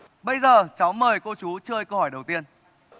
bây giờ cháu mời cô chú chơi câu hỏi đầu tiên